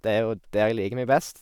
Det er jo der jeg liker meg best.